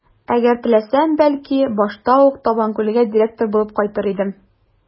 Әгәр теләсәм, бәлки, башта ук Табанкүлгә директор булып кайтыр идем.